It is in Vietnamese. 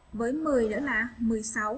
với người nữa mà